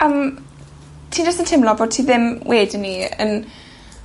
yym ti jyst yn timlo bo' ti ddim wedyn 'ny yn